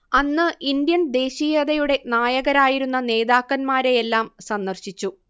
അന്ന് ഇൻഡ്യൻ ദേശീയതയുടെ നായകരായിരുന്ന നേതാക്കന്മാരെയെല്ലാം സന്ദർശിച്ചു